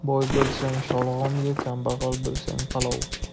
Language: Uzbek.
boy bo'lsang sholg'om ye kambag'al bo'lsang palov